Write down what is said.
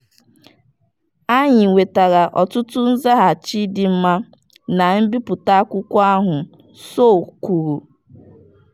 Anyị nwetara ọtụtụ nzaghachi dị mma na mbipụta akwụkwọ ahụ, "Sow kwuru.